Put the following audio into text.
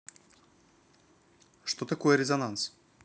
что такое резонанс